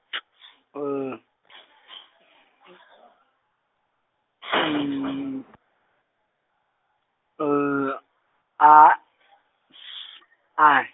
T U L U L A S I.